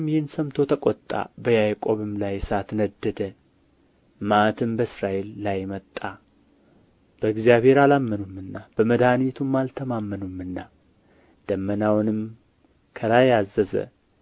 ይህን ሰምቶ ተቈጣ በያዕቆብም ላይ እሳት ነደደ መዓትም በእስራኤል ላይ መጣ በእግዚአብሔር አላመኑምና በመድኃኒቱም አልተማመኑምና ደመናውንም ከላይ አዘዘ